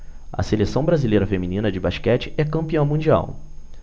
a seleção brasileira feminina de basquete é campeã mundial